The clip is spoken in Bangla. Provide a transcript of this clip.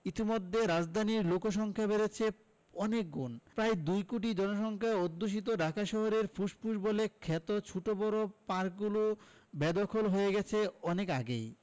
ইতোমধ্যে রাজধানীর লোকসংখ্যা বেড়েছে অনেকগুণ প্রায় দুকোটি জনসংখ্যা অধ্যুষিত ঢাকা শহরের ফুসফুস বলে খ্যাত ছোট বড় পার্কগুলো বেদখল হয়ে গেছে অনেক আগেই